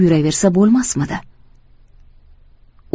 yuraversa bo'lmasmidi